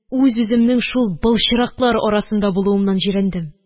Үз-үземнең шул былчыраклар арасында булуымнан җирәндем